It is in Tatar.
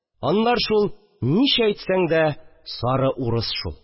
Анлар шул, ничә әйтсәң дә, сары урыс шул